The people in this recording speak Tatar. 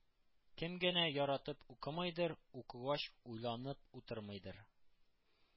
Кем генә яратып укымыйдыр, укыгач уйланып утырмыйдыр.